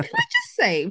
Can I just say...